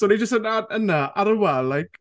So, o'n i jyst yna yna ar y wal, like...